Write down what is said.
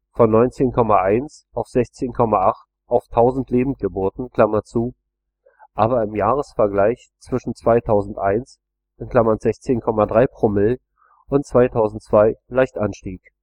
von 19,1 auf 16,8 auf 1000 Lebendgeburten), aber im Jahresvergleich zwischen 2001 (16,3 ‰) und 2002 leicht anstieg